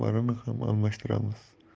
rahbarini ham almashtiramiz